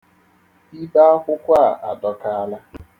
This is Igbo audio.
Ibe akwụkwọ a adọkaala.